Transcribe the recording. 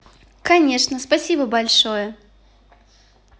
конечно спасибо большое